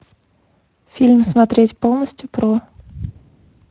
фильм смотреть полностью про